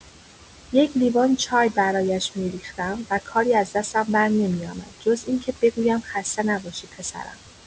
یک لیوان چای برایش می‌ریختم و کاری از دستم برنمی‌آمد جز اینکه بگویم «خسته نباشی پسرم».